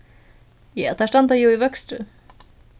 ja teir standa jú í vøkstri